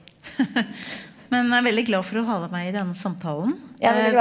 men er veldig glad for å ha deg med i denne samtalen .